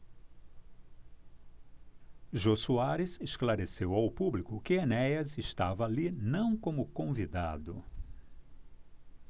jô soares esclareceu ao público que enéas estava ali não como convidado